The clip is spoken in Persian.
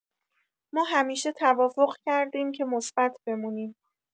ما همیشه توافق کردیم که مثبت بمونیم.